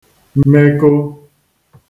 meko